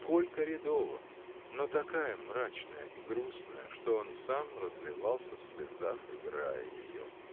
полька-редова, но такая мрачная и грустная, что он сам разливался в слезах, играя ее.